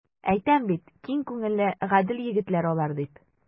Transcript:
Әйтәм бит, киң күңелле, гадел егетләр алар, дип.